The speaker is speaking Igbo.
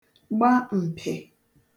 gba m̀pị̀